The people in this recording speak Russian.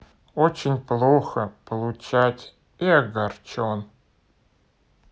очень плохо получать и огорчен